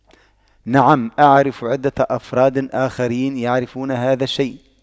نعم اعرف عدة أفراد آخرين يعرفون هذا الشيء